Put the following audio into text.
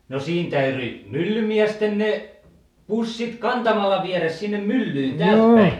no siinä täytyi myllymiesten ne pussit kantamalla viedä sinne myllyyn täältä päin